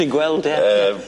Dwi'n gweld ie ie.